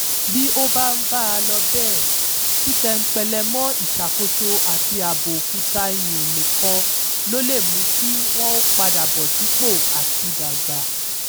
Bí ó bá ń bá a lọ bẹ́ẹ̀, títẹmpẹlẹ mọ́ ìṣàkóso àti ààbò òkúta iyùn nìkan ló lè mú kí wọn ó padà bọ̀ sípò àti dàgbà: